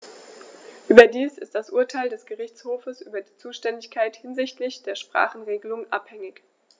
Überdies ist das Urteil des Gerichtshofes über die Zuständigkeit hinsichtlich der Sprachenregelung anhängig.